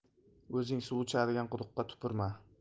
o'zing suv ichadigan quduqqa tupurma